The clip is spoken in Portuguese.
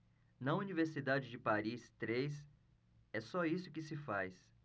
na universidade de paris três é só isso que se faz